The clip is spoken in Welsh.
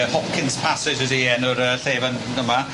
Y Hopkins Passage ydi enw'r yy lle fyn yn fyma.